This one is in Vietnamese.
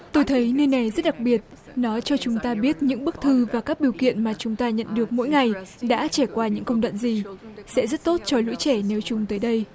tôi thấy nơi này dất đặc biệt nó cho chúng ta biết những bức thư và các bưu kiện mà chúng ta nhận được mỗi ngày đã trải qua những công đoạn gì sẽ rất tốt cho lũ trẻ nếu chúng tới đây